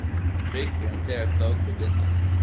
frigg er ein sera klók gudinna